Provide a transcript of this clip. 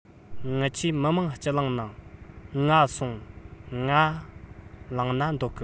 ངི ཆོས མི དམངས སྤྱི གླིང ནང ང སོང ངས བླངས ན འདོད གི